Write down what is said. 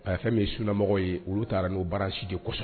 Aya fɛn min ye sunamɔgɔw ye olu taara n'o branche de kɔsɔ